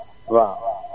waaw